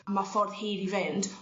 ma' ffordd hir i fynd